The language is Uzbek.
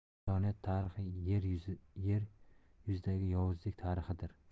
insoniyat tarixi er yuzidagi yovuzlik tarixidir